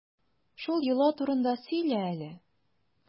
Шул йола турында сөйлә әле.